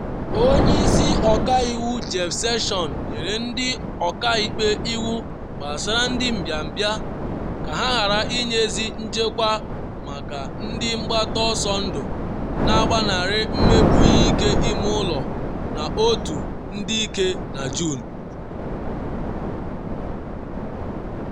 Onye Isi Ọka Iwu Jeff Sessions nyere ndị ọka ikpe iwu gbasara ndị mbịambịa, ka ha ghara inyezi nchekwa maka ndị mgbata ọsọ ndụ na-agbanarị mmegbu ihe ike ime ụlọ na otu ndị ike na Juun.